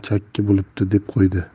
chakki bo'libdi deb qo'ydi